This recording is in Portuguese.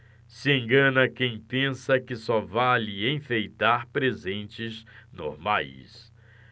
se engana quem pensa que só vale enfeitar presentes normais